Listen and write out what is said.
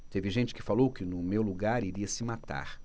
teve gente que falou que no meu lugar iria se matar